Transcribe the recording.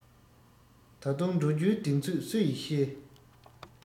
ད དུང འགྲོ རྒྱུའི གདེང ཚོད སུ ཡིས ཤེས